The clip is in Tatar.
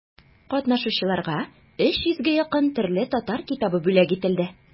Катнашучыларга өч йөзгә якын төрле татар китабы бүләк ителде.